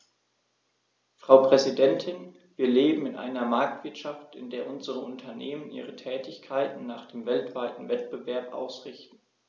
Frau Präsidentin, wir leben in einer Marktwirtschaft, in der unsere Unternehmen ihre Tätigkeiten nach dem weltweiten Wettbewerb ausrichten.